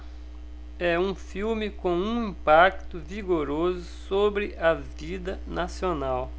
é um filme com um impacto vigoroso sobre a vida nacional